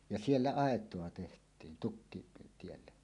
ja siellä aitaa tehtiin tukkitielle